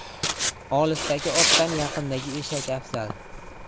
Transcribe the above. olisdagi otdan yaqindagi eshak afzal